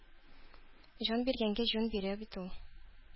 Җан биргәнгә җүн бирә бит ул.